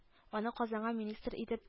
Аны Казанга министр итеп